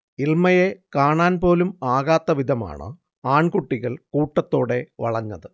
ഇൽമയെ കാണാൻപോലും ആകാത്ത വിധമാണ് ആൺകുട്ടികൾ കൂട്ടത്തോടെ വളഞ്ഞത്